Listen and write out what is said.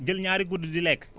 jël ñaari kudd di lekk